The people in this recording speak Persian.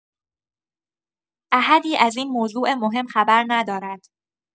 احدی از این موضوع مهم خبر ندارد.